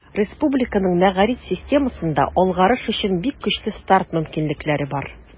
Республиканың мәгариф системасында алгарыш өчен бик көчле старт мөмкинлекләре бар.